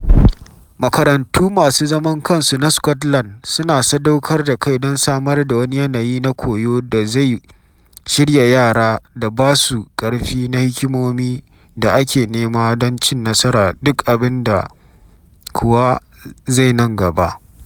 Makarantu masu zaman kansu na Scotland suna sadaukar da kai don samar da wani yanayi na koyo da zai shirya yara da ba su karfi na hikimomi da ake nema don ci nasara, duk abin da kuwa zai nan gaba.